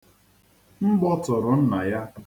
Mgbo tụrụ nna ya.